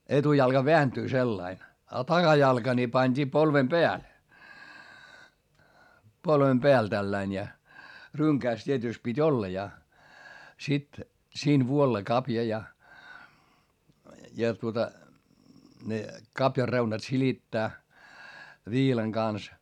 etujalka vääntyy sillä lailla ja takajalka niin pantiin polven päälle polven päälle tällä lailla ja rynkässä tietysti piti olla ja sitten siinä vuolla kavion ja ja tuota ne kavion reunat silittää viilan kanssa